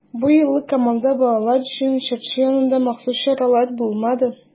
Бу юлы Камалда балалар өчен чыршы янында махсус чаралар булмады.